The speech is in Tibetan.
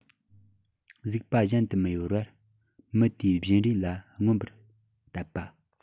གཟིགས པ གཞན དུ མི གཡོ བར མི དེའི བཞིན རས ལ མངོན པར གཏད པ